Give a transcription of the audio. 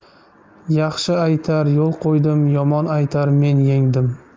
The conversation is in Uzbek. yaxshi aytar yo'l qo'ydim yomon aytar men yengdim